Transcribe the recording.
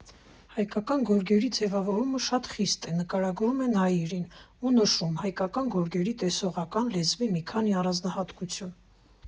Հայկական գորգերի ձևավորումը շատ խիստ է, ֊ նկարագրում է Նայիրին ու նշում հայկական գորգերի տեսողական լեզվի մի քանի առանձնահատկություն.